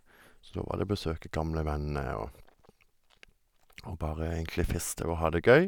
Så da var det besøke gamle venner og og bare egentlig feste og ha det gøy.